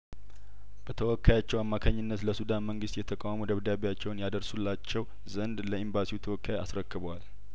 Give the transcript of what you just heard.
በተወካያቸው አማካኝነት ለሱዳን መንግስት የተቃውሞ ደብዳቤያቸውን ያደርሱላቸው ዘንድ ለኤምባሲው ተወካይ አስረክበዋል